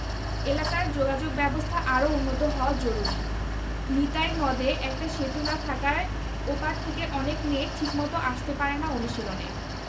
এলাকার যোগাযোগব্যবস্থা আরও উন্নত হওয়া জরুরি নিতাই নদে একটা সেতু না থাকায় ও পার থেকে অনেক মেয়ে ঠিকমতো আসতে পারে না অনুশীলনে